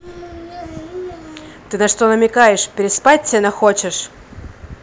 ты на что намекаешь переспать сено хочешь